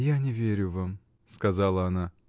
— Я не верю вам, — сказала она.